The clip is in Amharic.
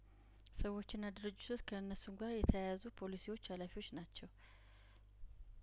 ሰዎችና ድርጅቶች ከእነሱም ጋር የተያያዙ ፖሊሲዎች አላፊዎች ናቸው